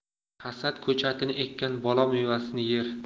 hasad ko'chatini ekkan balo mevasini yer